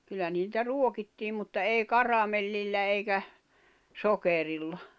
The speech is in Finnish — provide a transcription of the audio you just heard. kyllä niitä ruokittiin mutta ei karamellillä eikä sokerilla